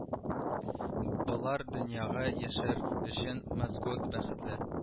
Болар дөньяга яшәр өчен мәсгуд бәхетле